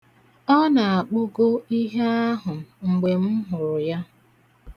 Ọ na-akpụgo ihe ahụ mgbe m hụrụ ya.